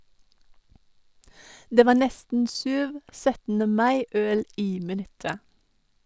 Det var nesten syv 17. mai -øl i minuttet.